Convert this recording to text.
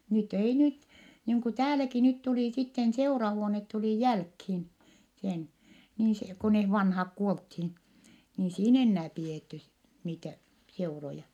nyt ei nyt niin kuin täälläkin nyt tuli sitten seurahuone tuli jälkiin sen niin se kun ne vanhat kuoltiin niin ei siinä enää pidetty sitten niitä seuroja